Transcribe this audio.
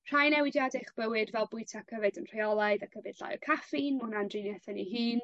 Rhai newidiade i'ch bywyd fel bwyta ac yfed yn rheolaidd ac yfed llai o caffîn ma' hwnna'n driniaeth yn ei hun.